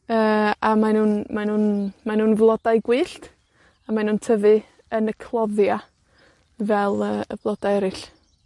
Yy, a mae nw'n, mae nw'n, mae nw'n flodau gwyllt, a mae nw'n tyfu yn y cloddia', fel y y bloda eryll.